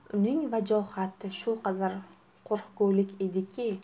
uning vajohati shu qadar qo'rqgulik ediki